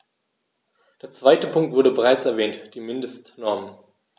Der zweite Punkt wurde bereits erwähnt: die Mindestnormen.